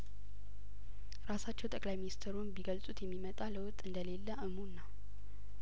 ራሳቸው ጠቅላይ ሚኒስተሩም ቢገልጹት የሚመጣ ለውጥ እንደሌለ አሙን ነው